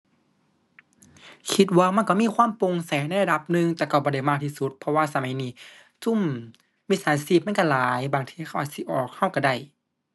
คิดว่ามันก็มีความโปร่งแสงในระดับหนึ่ง แต่ก็บ่ได้มากที่สุด เพราะว่าสมัยนี้ซุมมิจฉาชีพมันก็หลาย บางเที่ยเขาอาจสิออกก็ก็ได้